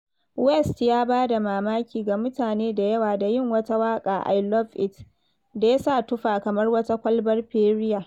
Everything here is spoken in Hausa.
West ya ba da mamaki ga mutane da yawa da yin wata waƙa “I love it”, da ya sa tufa kamar wata Kwalbar Perrier.